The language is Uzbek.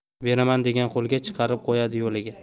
beraman degan quliga chiqarib qo'yadi yo'liga